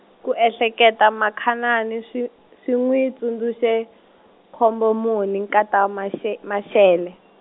ku ehleketa Makhanani swi, swi n'wi tsundzuxe, Khombomuni nkata Mashe-, Mashele.